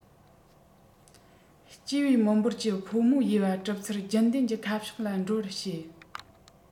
སྐྱེ བའི མི འབོར གྱི ཕོ མོའི དབྱེ བ གྲུབ ཚུལ རྒྱུན ལྡན གྱི ཁ ཕྱོགས ལ འགྲོ བར བྱེད